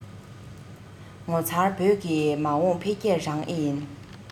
ངོ མཚར བོད ཀྱི མ འོངས འཕེལ རྒྱས རང ཨེ ཡིན